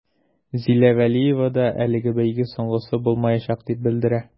Зилә вәлиева да әлеге бәйге соңгысы булмаячак дип белдерә.